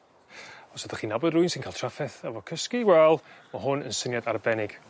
Os ydych chi'n nabod rywun sy'n ca'l trafferth efo cysgu wel ma' hwn yn syniad arbennig